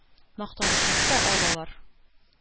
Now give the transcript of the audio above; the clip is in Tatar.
Мактанышып та алалар...